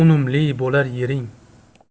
unumli bo'lar yering